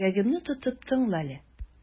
Йөрәгемне тотып тыңла әле.